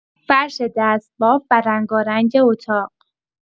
فرش دستباف و رنگارنگ اتاق